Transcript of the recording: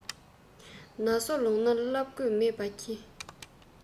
ན སོ ལོངས ནས བསླབས དགོས མེད པ གྱིས